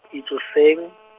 Itsoseng.